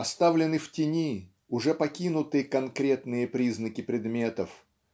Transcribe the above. оставлены в тени, уже покинуты конкретные признаки предметов.